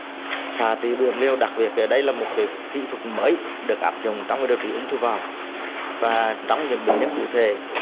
xạ trị biến liều đặc biệt kể đây là một kế kỹ thuật mới được áp dụng trong kế điều trị ung thư vòm và trong những bệnh nhân cụ thể